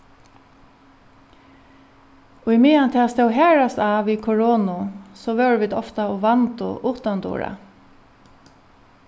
í meðan tað stóð harðast á við koronu so vóru vit ofta og vandu uttandura